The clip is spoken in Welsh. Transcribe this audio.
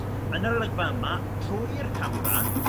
Yn yr olygfa yma drwy'r camra